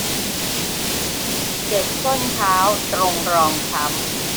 เจ็บส้นเท้าตรงรองช้ำ